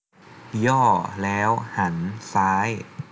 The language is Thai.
ย่อแล้วหันซ้าย